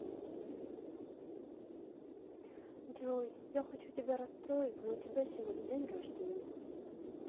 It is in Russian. джой я хочу тебя расстроить но у тебя сегодня день рождения